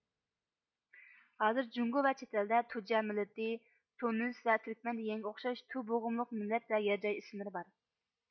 ھازىر جۇڭگو ۋە چەتئەلدە تۇجيا مىللىتى تۇنىس ۋە تۈركمەن دېگەنگە ئوخشاش تۇ بوغۇملۇق مىللەت ۋە يەر جاي ئىسىملىرى بار